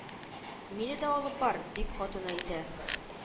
— мине дә алып бар, — дип хатыны әйтә